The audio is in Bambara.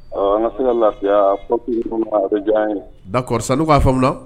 Ɔ an ka se ka lafiya p bɛ diya ye da n' k'a faw la